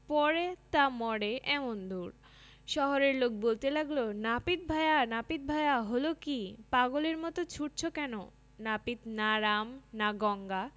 পড়ে তা মরে এমন দৌড় শহরের লোক বলতে লাগল নাপিত ভায়া নাপিত ভায়া হল কী পাগলের মতো ছুটছ কেন নাপিত না রাম না গঙ্গা